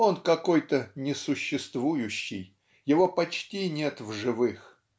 он -- какой-то несуществующий его почти нет в живых